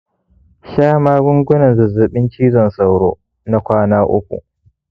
sha magungunan zazzabin cizon sauro na kwana uku.